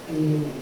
Un